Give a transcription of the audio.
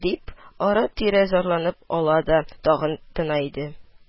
– дип, ара-тирә зарланып ала да тагы тына иде